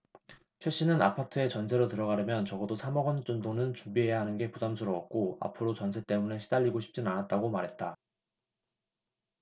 최 씨는 아파트에 전세로 들어가려면 적어도 삼 억원 정도는 준비해야 하는 게 부담스러웠고 앞으로 전세 때문에 시달리고 싶진 않았다고 말했다